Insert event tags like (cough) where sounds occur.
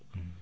(hesitation) (hesitation)